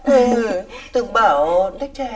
ơ tưởng bảo đếch thèm